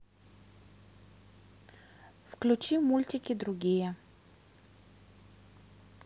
включи мультики другие